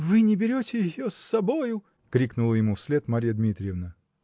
-- Вы не берете ее с собою, -- крикнула ему вслед Марья Дмитриевна.